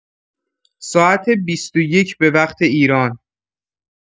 ساعت ۲۱: ۰۰ به‌وقت‌ایران